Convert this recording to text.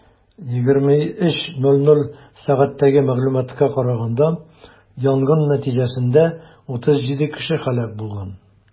23:00 сәгатьтәге мәгълүматка караганда, янгын нәтиҗәсендә 37 кеше һәлак булган.